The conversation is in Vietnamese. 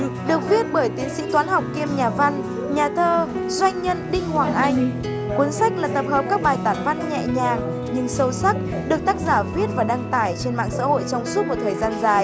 được viết bởi tiến sĩ toán học kiêm nhà văn nhà thơ doanh nhân đinh hoàng anh cuốn sách là tập hợp các bài tản văn nhẹ nhàng nhưng sâu sắc được tác giả viết và đăng tải trên mạng xã hội trong suốt một thời gian dài